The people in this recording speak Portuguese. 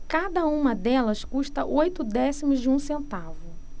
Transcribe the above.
cada uma delas custa oito décimos de um centavo